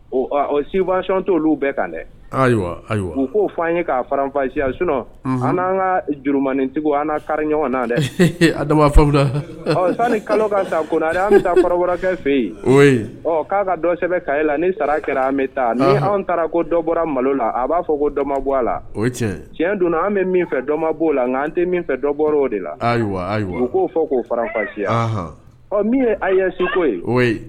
Sic tɛ bɛɛ kan dɛ ayiwa u k'o fɔ'an ye k kaafaya a sunɔ an'an ka jurumanintigiw an kari ɲɔgɔn na dɛ tan ni kalo ka taa ko an taa farabarakɛ fɛ yen k'a ka dɔsɛbɛbɛ ka la ni sara kɛra an bɛ taa ni an taara ko dɔ bɔra malo la a b'a fɔ ko dɔnma bɔ a la tiɲɛ donna an bɛ min fɛ dɔma bɔ oo la nka an tɛ min fɛ dɔbɔ o de la ayiwa u k'o fɔ k'o fafasi ɔ min ye a ye suko ye